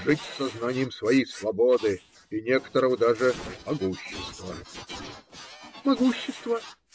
Жить с сознанием своей свободы и некоторого даже могущества. - Могущества!